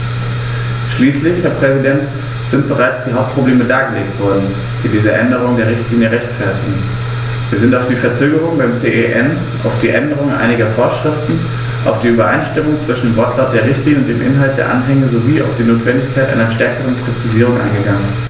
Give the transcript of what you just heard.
Schließlich, Herr Präsident, sind bereits die Hauptprobleme dargelegt worden, die diese Änderung der Richtlinie rechtfertigen, wir sind auf die Verzögerung beim CEN, auf die Änderung einiger Vorschriften, auf die Übereinstimmung zwischen dem Wortlaut der Richtlinie und dem Inhalt der Anhänge sowie auf die Notwendigkeit einer stärkeren Präzisierung eingegangen.